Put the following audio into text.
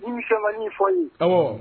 Imi sema ni fɔɔni ɔwɔ